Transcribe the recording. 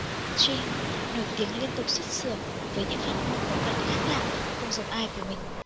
trinh nổi tiếng liên tục xuất xưởng với những phát ngôn có phần khác lạ không giống ai của mình